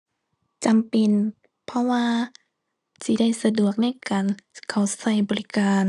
จำเป็น เพราะว่าสิได้สะดวกในการเข้าใช้บริการ